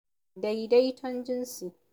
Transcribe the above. Daidaiton jinsi